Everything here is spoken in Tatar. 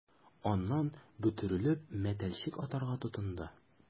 Аннан, бөтерелеп, мәтәлчек атарга тотынды...